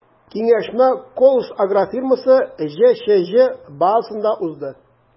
Киңәшмә “Колос” агрофирмасы” ҖЧҖ базасында узды.